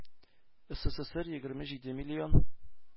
Эсэсэсэр егерме җиде миллион,